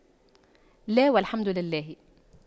لا والحمد لله